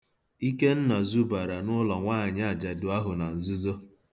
Ikenna zubara n'ụlọ nwaanyị ajadu ahụ na nzuzo.